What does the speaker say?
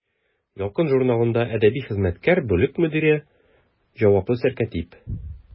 «ялкын» журналында әдәби хезмәткәр, бүлек мөдире, җаваплы сәркәтиб.